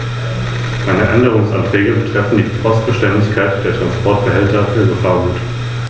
Deshalb müssen wir für die Schaffung eines einheitlichen Patentschutzes mehr tun.